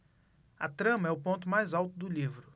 a trama é o ponto mais alto do livro